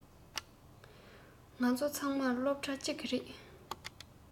ང ཚོ ཚང མ སློབ གྲྭ གཅིག གི རེད